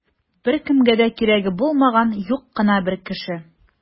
Беркемгә дә кирәге булмаган юк кына бер кеше.